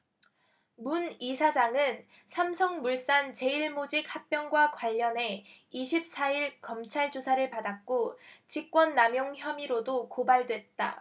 문 이사장은 삼성물산 제일모직 합병과 관련해 이십 사 일 검찰 조사를 받았고 직권남용 혐의로도 고발됐다